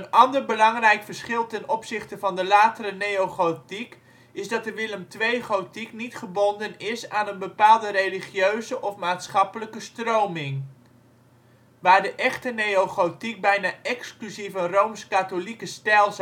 ander belangrijk verschil ten opzichte van de latere neogotiek is dat de Willem II-gotiek niet gebonden is aan een bepaalde religieuze of maatschappelijke stroming. Waar de echte neogotiek bijna exclusief een rooms-katholieke stijl